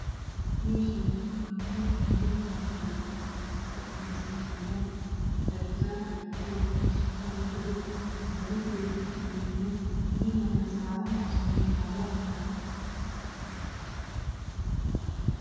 Meeshaani waa meel jiingad korkeed ah waxaa saaran alwaax oo kalarkiisa qalin iyo baluug uu ka koobantahay nin ayaa saaran oo samaynayso.